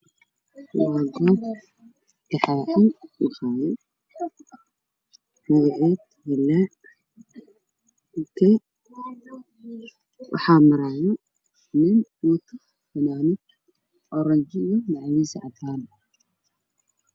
Waxaa ii muuqda maqaayad magaceedu yahay hillaac u k fadhiya niman waxaa ag maraayo nin wata macwiis yaalo fanaanad